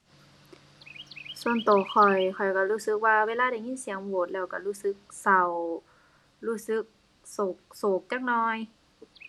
ส่วนตัวข้อย ข้อยตัวรู้สึกว่าเวลาได้ยินเสียงโหวดแล้วตัวรู้สึกเศร้า รู้สึกโศก โศกจักหน่อย